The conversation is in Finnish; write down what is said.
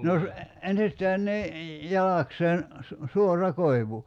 no ensistään niin jalakseen - suora koivu